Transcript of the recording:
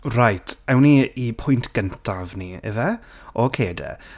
Right awn ni i pwynt gyntaf ni ife? Ocê de.